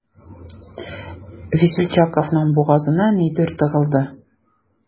Весельчаковның бугазына нидер тыгылды.